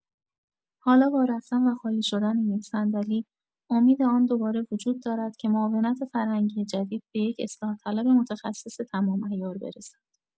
حالا با رفتن و خالی شدن این صندلی، امید آن دوباره وجود دارد که معاونت فرهنگی جدید به یک اصلاح‌طلب متخصص تمام‌عیار برسد.